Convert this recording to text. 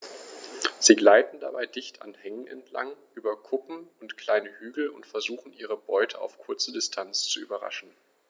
Sie gleiten dabei dicht an Hängen entlang, über Kuppen und kleine Hügel und versuchen ihre Beute auf kurze Distanz zu überraschen.